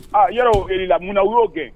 Aa yɛrɛ o yɛrɛ la mun na y'o gɛn